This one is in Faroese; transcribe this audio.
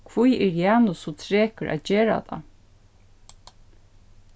hví er janus so trekur at gera tað